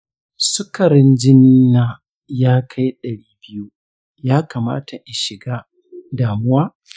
sukarin jinina ya kai ɗari biyu. ya kamata in shiga damuwa?